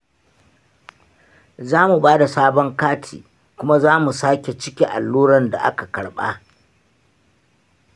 za mu bada sabon kati, kuma za mu sake cike alluran da aka karɓa.